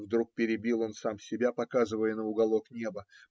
- вдруг перебил он сам себя, показывая на уголок неба